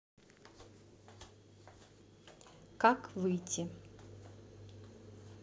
как выйти